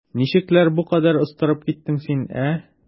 Ничекләр бу кадәр остарып киттең син, ә?